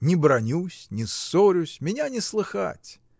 Не бранюсь, не ссорюсь, меня не слыхать.